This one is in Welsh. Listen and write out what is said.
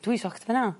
Dwi shocked fan 'na.